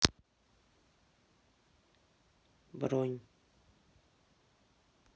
бронь